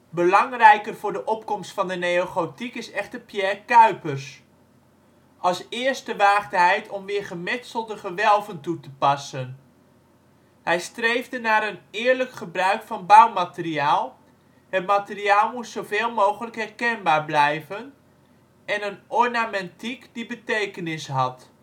Belangrijker voor de opkomst van de neogotiek is echter Pierre Cuypers. Als eerste waagde hij het om weer gemetselde gewelven toe te passen. Hij streefde naar een ' eerlijk ' gebruik van bouwmateriaal (het materiaal moest zoveel mogelijk herkenbaar blijven) en een ornamentiek die betekenis had